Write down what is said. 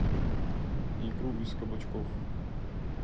икру из кабачков